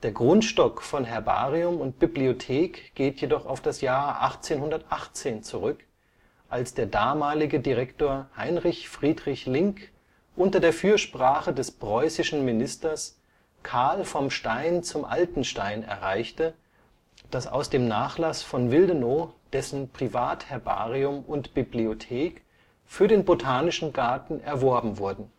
Grundstock von Herbarium und Bibliothek geht jedoch auf das Jahr 1818 zurück, als der damalige Direktor Heinrich Friedrich Link unter der Fürsprache des preußischen Ministers Karl vom Stein zum Altenstein erreichte, dass aus dem Nachlass von Willdenow dessen Privatherbarium und - bibliothek für den Botanischen Garten erworben wurden